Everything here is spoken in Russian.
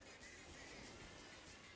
не понимает